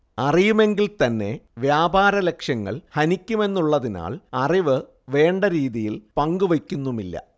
അറിയുമെങ്കിൽത്തന്നെ വ്യാപാര ലക്ഷ്യങ്ങൾ ഹനിക്കുമെന്നുള്ളതിനാൽ അറിവ് വേണ്ടരീതിയിൽ പങ്കുവെക്കുന്നുമില്ല